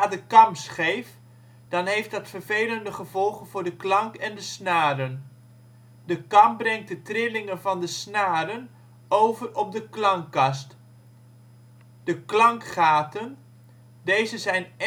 de kam scheef dan heeft dat vervelende gevolgen voor de klank en de snaren. De kam brengt de trillingen van de snaren over op de klankkast. De klankgaten, deze zijn